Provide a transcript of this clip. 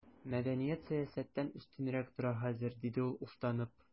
Мәдәният сәясәттән өстенрәк тора хәзер, диде ул уфтанып.